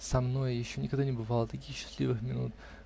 со мной еще никогда не бывало таких счастливых минут.